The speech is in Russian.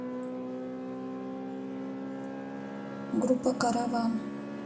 группа караван